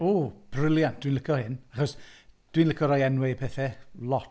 W briliant. Dwi'n licio hyn, achos dwi'n licio rhoi enwau i pethau lot.